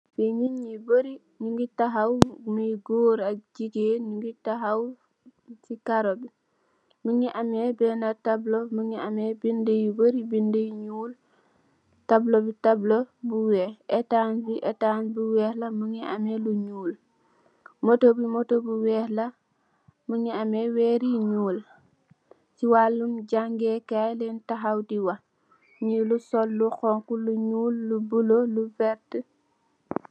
Fii nitt yu bari njungy takhaw mui gorre ak gigain njungy takhaw cii kaaroh bii, mungy ameh benah tableau mungy ameh bindue yu bari bindue yu njull tableau bii tableau bu wekh, ehtanne ehtanne bu wekh la, mungy ameh lu njull, motor bii motor bu wekh la, mungy ameh wehrre yu njull, chi waaloum jangeh kaii len takhaw dii wakh, njee lu sol lu honhu, lu njull, lu bleu, lu vertu.